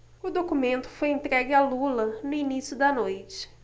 o documento foi entregue a lula no início da noite